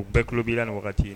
U bɛɛ tulo b'i la waati wagati ye